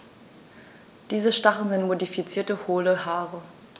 Diese Stacheln sind modifizierte, hohle Haare.